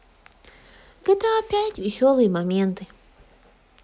гта пять веселые моменты